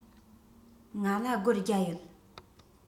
ང ལ སྒོར བརྒྱ ཡོད